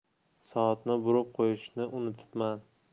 soatni burib qo'yishni unutibman